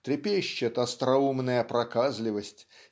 трепещет остроумная проказливость